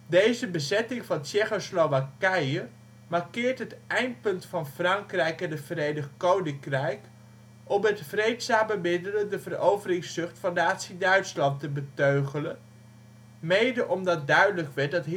Deze bezetting van Tsjecho-Slowakije markeert het eindpunt van Frankrijk en het Verenigd Koninkrijk om met vreedzame middelen de veroveringszucht van nazi-Duitsland te beteugelen, mede omdat duidelijk werd dat